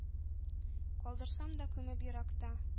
Калдырсам да күмеп еракта